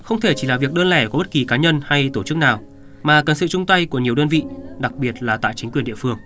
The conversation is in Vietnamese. không thể chỉ là việc đơn lẻ của bất kì cá nhân hay tổ chức nào mà cần sự chung tay của nhiều đơn vị đặc biệt là tại chính quyền địa phương